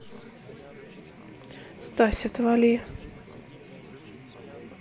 стась отвали